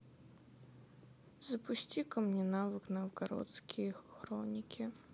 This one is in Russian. запусти ка мне навык новгородские хроники